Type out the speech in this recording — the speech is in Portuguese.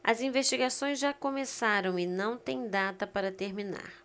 as investigações já começaram e não têm data para terminar